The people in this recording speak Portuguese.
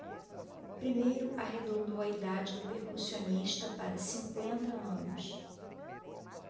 primeiro arredondou a idade do percussionista para cinquenta anos